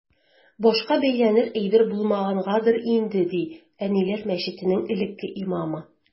Башка бәйләнер әйбер булмагангадыр инде, ди “Әниләр” мәчетенең элекке имамы.